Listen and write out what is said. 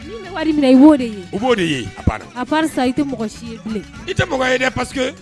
I i tɛ i tɛ pa